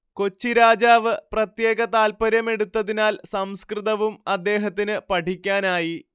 കൊച്ചിരാജാവ് പ്രത്യേക താൽപര്യമെടുത്തതിനാൽ സംസ്കൃതവും അദ്ദേഹത്തിന് പഠിക്കാനായി